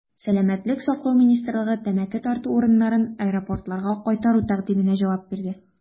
Сәламәтлек саклау министрлыгы тәмәке тарту урыннарын аэропортларга кайтару тәкъдименә җавап бирде.